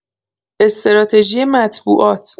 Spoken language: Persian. استراتژی مطبوعات